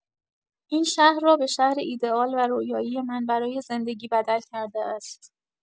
این شهر را به شهر ایده آل و رویایی من برای زندگی بدل کرده است!